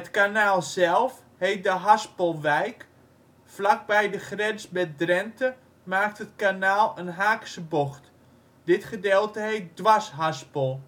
kanaal zelf heet de Haspelwijk Vlakbij de grens met Drenthe maakt het kanaal een haakse bocht. Dit gedeelte heet Dwarshaspel